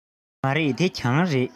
མ རེད འདི གྱང རེད